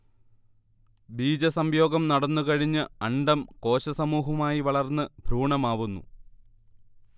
ബീജസംയോഗം നടന്നുകഴിഞ്ഞ് അണ്ഡം കോശസമൂഹമായി വളർന്ന് ഭ്രൂണമാവുന്നു